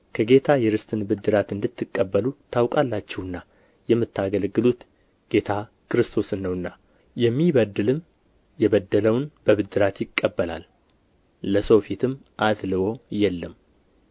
ከጌታ የርስትን ብድራት እንድትቀበሉ ታውቃላችሁና የምታገለግሉት ጌታ ክርስቶስ ነውና የሚበድልም የበደለውን በብድራት ይቀበላል ለሰው ፊትም አድልዎ የለም